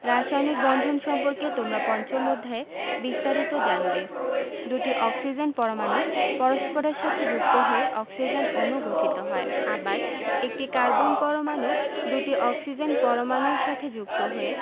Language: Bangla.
রাসায়নিক বন্ধন সম্পর্কে তোমরা পঞ্চম অধ্যায়ে বিস্তারিত জানবে দুটি অক্সিজেন পরমাণু পরস্পরের সাথে যুক্ত হয়ে অক্সিজেন অণু গঠিত হয় আবার একটি কার্বন পরমাণু দুটি অক্সিজেন পরমাণুর সাথে যুক্ত হয়ে